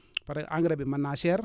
par ce que engrais bi mën naa cher